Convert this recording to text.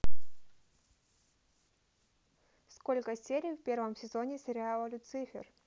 сколько серий в первом сезоне сериала люцифер